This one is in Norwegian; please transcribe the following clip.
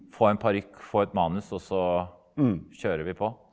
få en parykk få et manus og så kjører vi på.